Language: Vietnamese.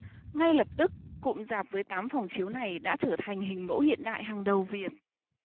ngay lập tức cụm rạp với tám phòng chiếu này đã trở thành hình mẫu hiện đại hàng đầu việt